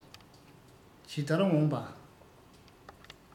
ཇི ལྟར འོངས པ